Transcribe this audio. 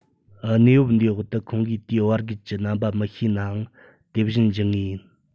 གནས བབ འདིའི འོག ཏུ ཁོང གིས དེའི བར བརྒལ གྱི རྣམ པ མི ཤེས ནའང དེ བཞིན བགྱི ངེས ཡིན